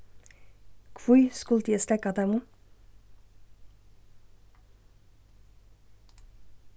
hví skuldi eg steðga teimum